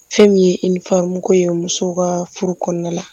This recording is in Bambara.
Fɛn min ye ifamɔgɔ ye muso ka furu kɔnɔna la